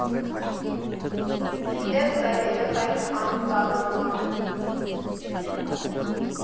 Ի դեպ, սա երեխային անուն տալու նման է.